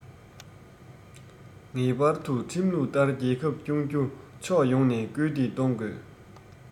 ངེས པར དུ ཁྲིམས ལུགས ལྟར རྒྱལ ཁབ སྐྱོང རྒྱུར ཕྱོགས ཡོངས ནས སྐུལ འདེད གཏོང དགོས